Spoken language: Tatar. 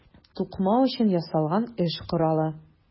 Тукмау өчен ясалган эш коралы.